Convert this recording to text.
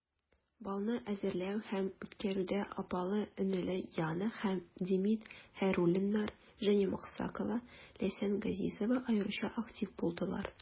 Балны әзерләү һәм үткәрүдә апалы-энеле Яна һәм Демид Хәйруллиннар, Женя Максакова, Ләйсән Газизова аеруча актив булдылар.